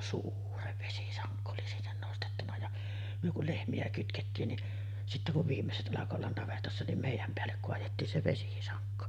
suuren vesisangon oli sinne nostettuna ja me kun lehmiä kytkettiin niin sitten kun viimeiset alkoi olla navetassa niin meidän päälle kaadettiin se vesisanko